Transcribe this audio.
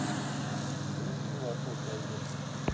включи лосось один